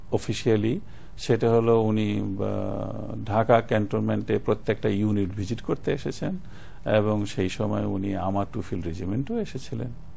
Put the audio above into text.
officially সেটা হল উনি ঢাকা ক্যান্টনমেন্টে প্রত্যেকটা ইউনিট ভিজিট করতে এসেছেন এবং সেই সময় উনি আমার টু ফিল্ড রেজিমেন্টেও এসেছিলেন